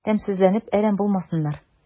Тәмсезләнеп әрәм булмасыннар...